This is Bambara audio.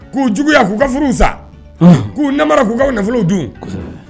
K'u juguya k'u ka furuw sa. Ahan. k'u namara k'u ka nafolow dun. Kosɛbɛ!